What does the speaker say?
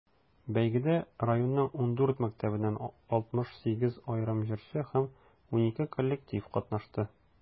Бәйгедә районның 14 мәктәбеннән 68 аерым җырчы һәм 12 коллектив катнашты.